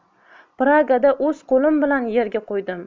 pragada o'z qo'lim bilan yerga qo'ydim